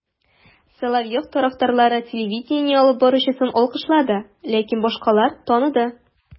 Соловьев тарафдарлары телевидение алып баручысын алкышлады, ләкин башкалар таныды: